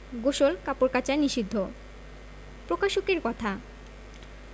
গোসল কাপড় কাচা নিষিদ্ধ প্রকাশকের কথা